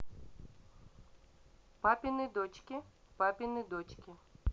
папины дочки папины дочки